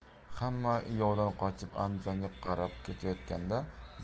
hamma yovdan qochib andijonga qarab ketayotganda